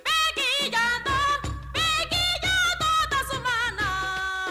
Bɛɛ k'i janto bɛɛ k'i janto tasuma na